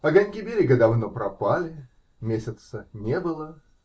Огоньки берега давно пропали. Месяца не было